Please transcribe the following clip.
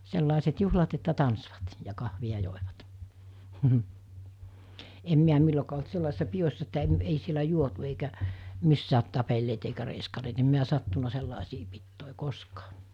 sellaiset juhlat että tanssivat ja kahvia joivat en minä milloinkaan ollut sellaisissa pidoissa että - ei siellä juotu eikä missään tapelleet eikä reiskaneet en minä sattunut sellaisiin pitoihin koskaan